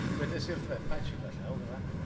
Wedes i wrtho fe "paid siglo llaw fel yna".